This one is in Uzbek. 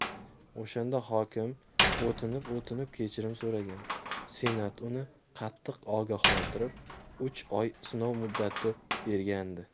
o'shanda hokim o'tinib o'tinib kechirim so'ragan senat uni qattiq ogohlantirib uch oy sinov muddati bergandi